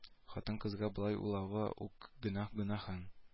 Хатын-кызга болай уйлавы ук гөнаһ гөнаһын